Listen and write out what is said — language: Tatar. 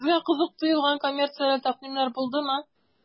Сезгә кызык тоелган коммерцияле тәкъдимнәр булдымы?